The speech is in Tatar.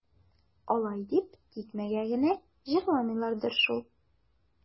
Алай дип тикмәгә генә җырламыйлардыр шул.